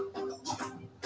ô